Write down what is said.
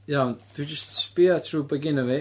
Iawn dwi jyst s- sbïo trwy be gynna fi.